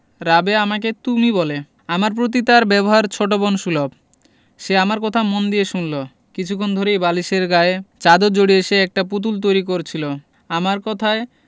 রাবেয়া আমাকে তুমি বলে আমার প্রতি তার ব্যবহার ছোট বোন সুলভ সে আমার কথা মন দিয়ে শুনলো কিছুক্ষণ ধরেই বালিশের গায়ে চাদর জড়িয়ে সে একটা পুতুল তৈরি করছিলো আমার কথায়